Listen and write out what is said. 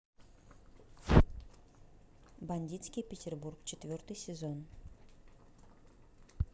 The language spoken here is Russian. бандитский петербург четвертый сезон